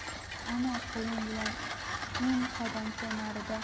ana qo'lim bilan o'n qadamcha narida